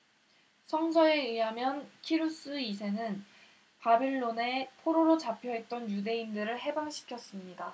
성서에 의하면 키루스 이 세는 바빌론에 포로로 잡혀 있던 유대인들을 해방시켰습니다